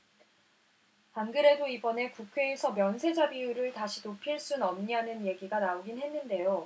안 그래도 이번에 국회에서 면세자 비율을 다시 높일 순 없냐는 얘기가 나오긴 했는데요